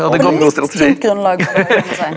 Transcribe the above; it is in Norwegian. litt tynt grunnlag seie.